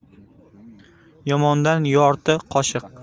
yomondan yorti qoshiq